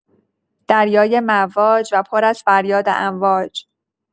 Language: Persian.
دریای مواج و پر از فریاد امواج